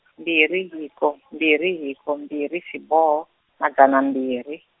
mbirhi hiko mbirhi hiko mbirhi xiboho, madzana mbirhi.